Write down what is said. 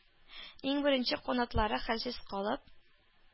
Иң беренче канатлары хәлсез калып,